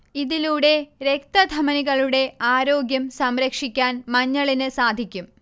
ഇതിലൂടെ രക്തധമനികളുടെ ആരോഗ്യം സംരക്ഷിക്കാൻ മഞ്ഞളിന് സാധിക്കും